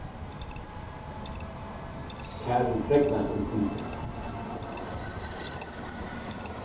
karin fregnaðist um fundin